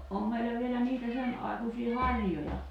on meillä vielä niitä sen aikuisia harjoja